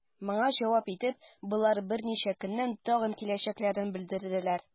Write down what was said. Моңа җавап итеп, болар берничә көннән тагын киләчәкләрен белдерделәр.